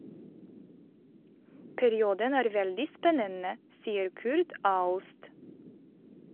Perioden er veldig spennende, sier Kurt Aust.